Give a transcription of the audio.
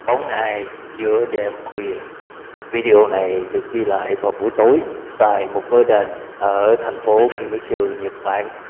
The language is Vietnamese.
bóng ai giữa đêm khuya video này được ghi lại vào buổi tối tại một ngôi đền ở thành phố kimitsu nhật bản